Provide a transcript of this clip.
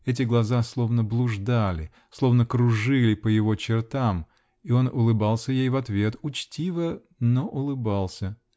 Эти глаза словно блуждали, словно кружили по его чертам, и он улыбался ей в ответ -- учтиво, но улыбался.